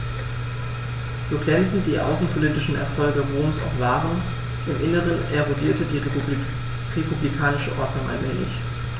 So glänzend die außenpolitischen Erfolge Roms auch waren: Im Inneren erodierte die republikanische Ordnung allmählich.